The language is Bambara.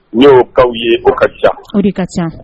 N'o' ye o ka ca o ka ca